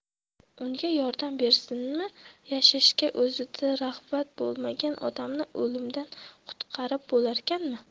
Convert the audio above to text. unga yordam bersinmi yashashga o'zida rag'bat bo'lmagan odamni o'limdan qutqarib bo'larkanmi